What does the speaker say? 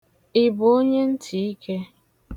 Ị bụ onye ntịike?